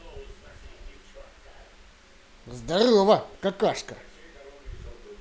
здорово какашка